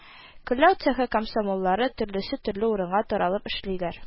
Көлләү цехы комсомоллары төрлесе төрле урынга таралып эшлиләр